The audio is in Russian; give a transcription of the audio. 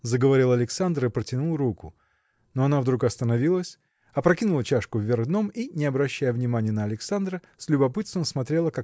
– заговорил Александр и протянул руку. Но она вдруг остановилась опрокинула чашку вверх дном и не обращая внимания на Александра с любопытством смотрела